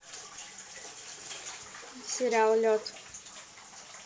сериал лед